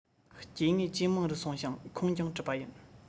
སྐྱེ དངོས ཇེ མང རུ སོང ཞིང ཁོངས ཀྱང གྲུབ པ ཡིན